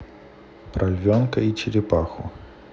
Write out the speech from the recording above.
про львенка и черепаху